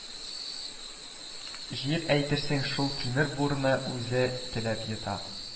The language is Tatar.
Җир әйтерсең шул тимер бурны үзе теләп йота